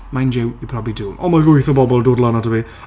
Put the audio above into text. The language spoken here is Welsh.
Mind you you probably do. O mae lwyth o bobl dod lan ataf i.